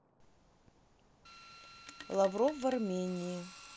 лавров в армении